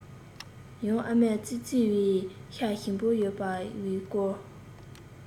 ཡང ཨ མས ཙི ཙིའི ཤ ཞིམ པོ ཡོད པའི སྐོར